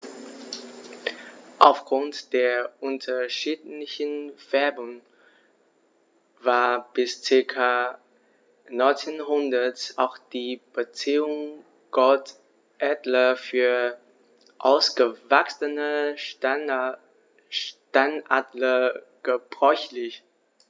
Auf Grund der unterschiedlichen Färbung war bis ca. 1900 auch die Bezeichnung Goldadler für ausgewachsene Steinadler gebräuchlich.